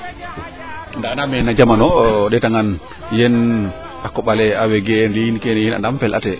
ndaa andaame no jamono o ndeeta ngaan yeen a koɓale a wegel liin andaam fel'a te